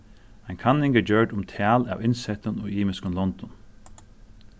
ein kanning er gjørd um tal av innsettum í ymiskum londum